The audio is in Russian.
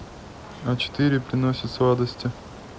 а четыре приносит сладости